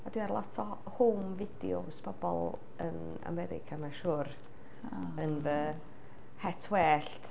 A dwi ar lot o home videos pobol yn America, mae'n siŵr, yn fy het wellt.